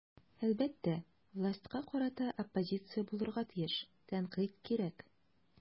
Әлбәттә, властька карата оппозиция булырга тиеш, тәнкыйть кирәк.